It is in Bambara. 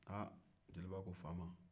ah jeliba ko faama